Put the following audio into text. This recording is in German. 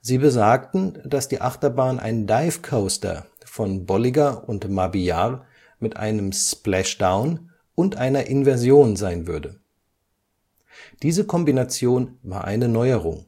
Sie besagten, dass die Achterbahn ein Dive Coaster von Bolliger & Mabillard mit einem Splashdown und einer Inversion sein würde. Diese Kombination war eine Neuerung